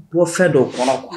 Bɔ fɛn dɔ kɔnɔ